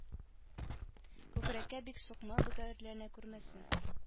Күкрәккә бик сукма бөгәрләнә күрмәсен